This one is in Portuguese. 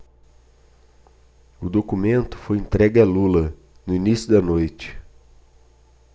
o documento foi entregue a lula no início da noite